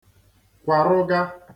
kwàrụga